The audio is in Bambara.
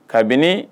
Kabini